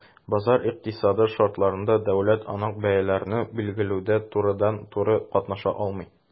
Базар икътисады шартларында дәүләт анык бәяләрне билгеләүдә турыдан-туры катнаша алмый.